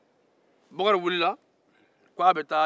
bakari wulila k'a bɛ taa